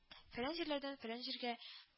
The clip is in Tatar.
Фәлән җирләрдән фәлән җиргә